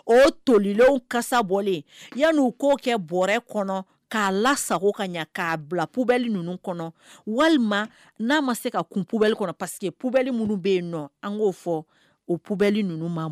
O tolilen kasa bɔlen yan'u ko kɛɔrrɛ kɔnɔ k'a la sagogo ka k'a bila pɛ ninnu kɔnɔ walima n'a ma se ka kunuɛ kɔnɔ pa que pɛele minnu bɛ yen nɔ an k'o fɔ o puɛ ninnu ma